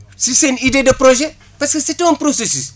si seen idée de projet parce que c' est un processus